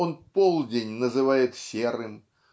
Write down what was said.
он полдень называет "серым"